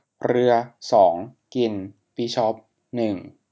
เรือสองกินบิชอปหนึ่ง